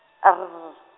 R.